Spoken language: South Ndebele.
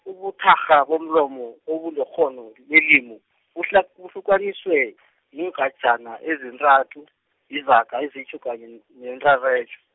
ubuthakgha bomlomo, obulikghono , lelimu buhlak- buhlukaniswe , iingajana ezintathu , izaga izitjho kanye n- neenrarejo.